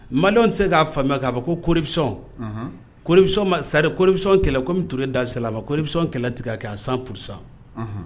Malidenw tɛ se k'a faamuya k'a fɔ ko koɔrimi sari koɔrisɔn kɛlɛ kɔmi toure da siralaba koɔrimisɔn kɛlɛ tigɛ ka san kurusa